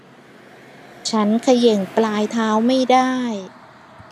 ฉันเขย่งปลายเท้าไม่ได้